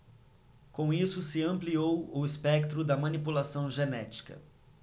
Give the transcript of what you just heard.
com isso se ampliou o espectro da manipulação genética